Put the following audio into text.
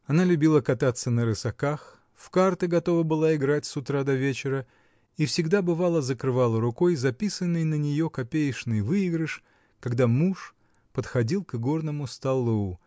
Она любила кататься на рысаках, в карты готова была играть с утра до вечера и всегда, бывало, закрывала рукой записанный на нее копеечный выигрыш, когда муж подходил к игорному столу